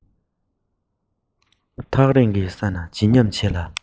ཐག རིང གི ས ན བརྗིད ཉམས ཆེ ལ